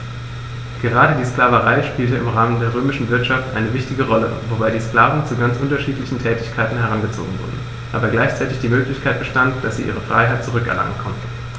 Gerade die Sklaverei spielte im Rahmen der römischen Wirtschaft eine wichtige Rolle, wobei die Sklaven zu ganz unterschiedlichen Tätigkeiten herangezogen wurden, aber gleichzeitig die Möglichkeit bestand, dass sie ihre Freiheit zurück erlangen konnten.